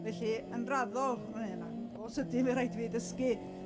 Felly, yn raddol... na, ... go sydyn oedd rhaid i mi ddysgu